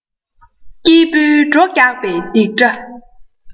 སྐྱིད པོའི བྲོ རྒྱག པའི རྡིག སྒྲ